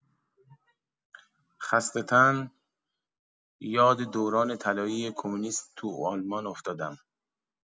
خسته تن: یاد دوران طلایی کمونیست تو آلمان افتادم.